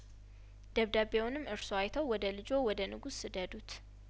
ደብዳቤውንም እርስዎ አይተው ወደ ልጅዎ ወደ ንጉስ ስደዱት